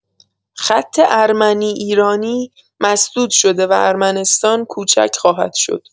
خط ارمنی - ایران، مسدود شده و ارمنستان کوچک خواهد شد.